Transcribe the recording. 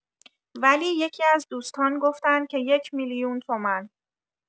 ولی یکی‌از دوستان گفتن که ۱ میلیون تومن!